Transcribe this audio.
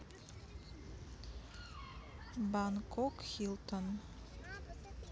бангкок хилтон